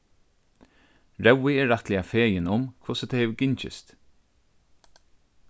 rói er rættiliga fegin um hvussu tað hevur gingist